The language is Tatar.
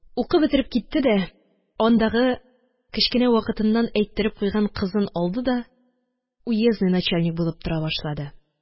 Укып бетереп китте дә, андагы кечкенә вакытыннан әйттереп куйган кызын алды да уездный начальник булып тора башлады